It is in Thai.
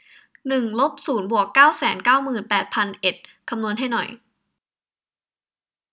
หนึ่งลบศูนย์บวกเก้าแสนเก้าหมื่นแปดพันเอ็ดคำนวณให้หน่อย